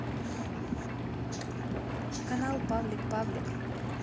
канал павлик павлик